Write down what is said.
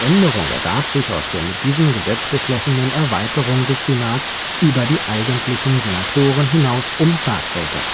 Änderung ergab sich aus der mit diesem Gesetz beschlossenen Erweiterung des Senats über die eigentlichen Senatoren hinaus um Staatsräte